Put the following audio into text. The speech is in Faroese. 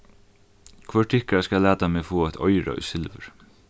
hvør tykkara skal lata meg fáa eitt oyra í silvuri